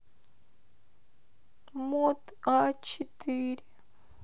мот а четыре